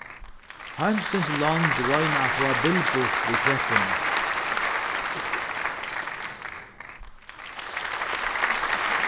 heimsins lond royna at fáa bilbugt við kreppuni